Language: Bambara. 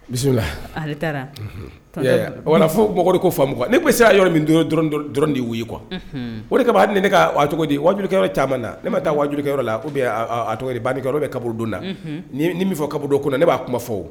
Bisimila ale taara o wala fo bo ko faamumu ne se' yɔrɔ min dɔrɔn de wu kuwa o de ka hali ni ne ka cogo waaduke yɔrɔ caman na ne ma taa wajudukɛ yɔrɔ la ko bɛ ba kɛ yɔrɔ bɛ kab donda ni min fɔ kabdon ko kɔnɔ na ne b'a kuma fɔ